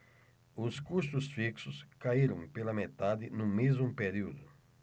os custos fixos caíram pela metade no mesmo período